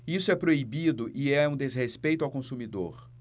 isso é proibido e é um desrespeito ao consumidor